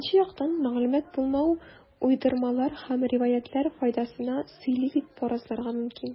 Икенче яктан, мәгълүмат булмау уйдырмалар һәм риваятьләр файдасына сөйли дип фаразларга мөмкин.